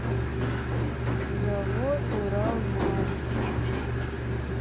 завод уралмаш